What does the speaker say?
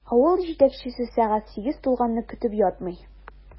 Авыл җитәкчесе сәгать сигез тулганны көтеп ятмый.